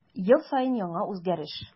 Ел саен яңа үзгәреш.